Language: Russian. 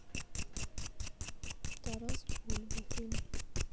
тарас бульба фильм